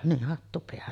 niin hattu päähän